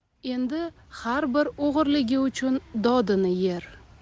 endi har bir o'g'irligi uchun dodini yer